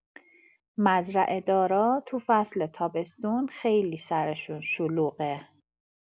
مزرعه‌دارا تو فصل تابستون خیلی سرشون شلوغه.